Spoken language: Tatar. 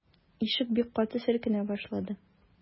Ишек бик каты селкенә башлады.